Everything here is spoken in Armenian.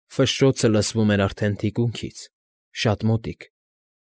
Ֆշշոցը լսվում էր արդեն թիկունքից, շատ մոտիկ։